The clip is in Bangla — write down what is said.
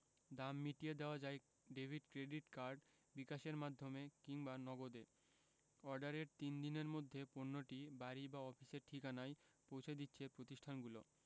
দাম মিটিয়ে দেওয়া যায় ডেভিড ক্রেডিট কার্ড বিকাশের মাধ্যমে কিংবা নগদে অর্ডারের তিন দিনের মধ্যে পণ্যটি বাড়ি বা অফিসের ঠিকানায় পৌঁছে দিচ্ছে প্রতিষ্ঠানগুলো